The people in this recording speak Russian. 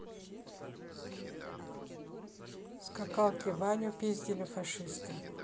скакалки ваню пиздили фашисты